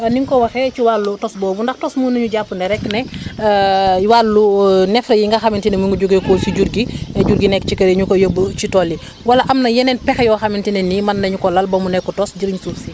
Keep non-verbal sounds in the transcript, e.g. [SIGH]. ni nga ko waxee ci wàllu tos boobu ndax tos mun nañu jàpp ne rek ne [NOISE] [HESITATION] wàllu neefere yi nga xamante ne mu ngi jugee koo [NOISE] si jur gi jur gi nekk si kër yi [NOISE] ñu koy yóbbu ci tool yi [BREATH] wala am na yeneen pexe yoo xamante ne ni mën nañu ko lal ba mu nekk tos jëriñ suuf si